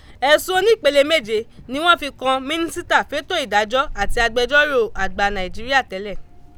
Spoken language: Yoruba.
Ẹ̀sùn onípele méje ni wọ́n fi kan Mínísítà fétò ìdájọ́ àti agbẹjọ́rò àgbà Nàìjíríà tẹ́lẹ̀.